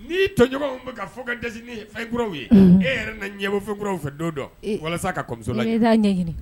N'i tɔɲɔgɔnw bɛ ka fɔ ye, unhun, e yɛrɛ na ɲɛbɔ fɛnkuraw fɛ don dɔ walasa ka kɔmuso ladiya, i bɛ taa ɲɛɲini